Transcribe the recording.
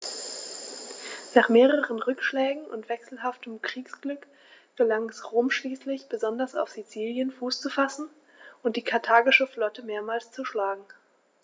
Nach mehreren Rückschlägen und wechselhaftem Kriegsglück gelang es Rom schließlich, besonders auf Sizilien Fuß zu fassen und die karthagische Flotte mehrmals zu schlagen.